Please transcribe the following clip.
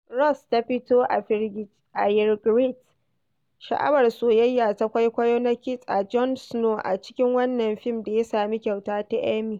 Rose ta fito a Ygritte, sha'awar soyayya ta kwaikwayo na Kit a Jon Snow, a cikin wannan fim da ya sami kyauta ta Emmy.